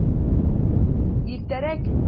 Иртәрәк!